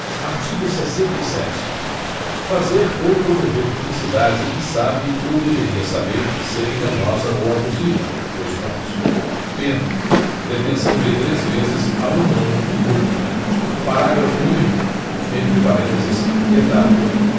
artigo sessenta e sete fazer ou promover publicidade que sabe ou deveria saber ser enganosa ou abusiva dois pontos pena detenção de três meses a um ano e multa parágrafo único entre parênteses vetado